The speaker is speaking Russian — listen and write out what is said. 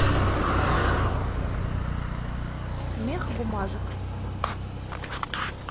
мех бумажек